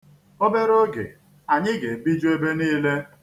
Obere oge, anyị ga-ebiju ebe niile.